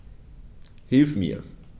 Hilf mir!